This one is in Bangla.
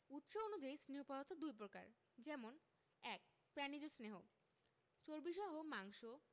উৎস অনুযায়ী স্নেহ পদার্থ দুই প্রকার যেমন ১. প্রাণিজ স্নেহ চর্বিসহ মাংস